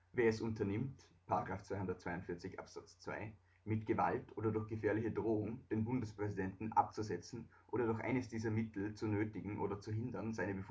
Wer es unternimmt (§ 242 Abs. 2), mit Gewalt oder durch gefährliche Drohung den Bundespräsidenten abzusetzen oder durch eines dieser Mittel zu nötigen oder zu hindern, seine